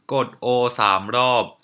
กดโอสามรอบ